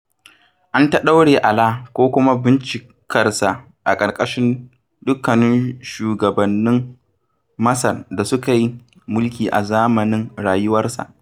An ta ɗaure Alaa ko kuma bincikarsa a ƙarƙashin dukkanin shugabannin Masar da suka yi mulki a zamanin rayuwarsa.